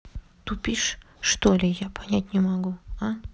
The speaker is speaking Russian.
тупишь что ли я понять не могу а